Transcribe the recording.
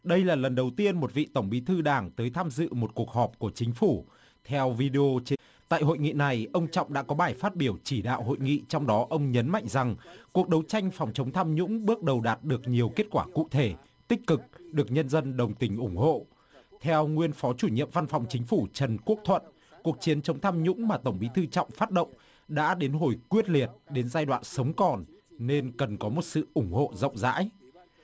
đây là lần đầu tiên một vị tổng bí thư đảng tới tham dự một cuộc họp của chính phủ theo vi đi ô trên tại hội nghị này ông trọng đã có bài phát biểu chỉ đạo hội nghị trong đó ông nhấn mạnh rằng cuộc đấu tranh phòng chống tham nhũng bước đầu đạt được nhiều kết quả cụ thể tích cực được nhân dân đồng tình ủng hộ theo nguyên phó chủ nhiệm văn phòng chính phủ trần quốc thuận cuộc chiến chống tham nhũng mà tổng bí thư trọng phát động đã đến hồi quyết liệt đến giai đoạn sống còn nên cần có một sự ủng hộ rộng rãi